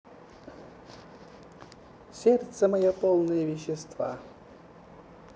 сердце мое полно вещества